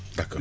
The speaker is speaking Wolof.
d' accord